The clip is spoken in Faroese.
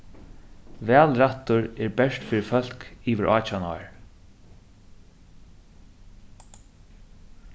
valrættur er bert fyri fólk yvir átjan ár